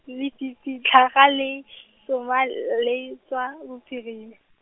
lefifi tlhaga le, tsoma l- le, tswa, bophirim-.